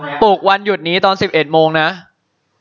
ปลุกวันหยุดนี้ตอนสิบเอ็ดโมงนะ